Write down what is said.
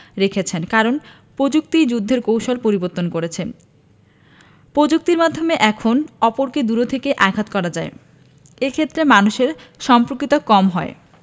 কারণ প্রযুক্তিই যুদ্ধের কৌশল পরিবর্তন করছে প্রযুক্তির মাধ্যমে এখন অপরকে দূর থেকেই আঘাত করা যায় এ ক্ষেত্রে মানুষের সম্পৃক্ততাও কম হয়